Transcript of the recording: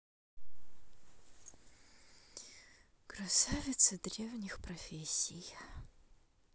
красавицы древних профессий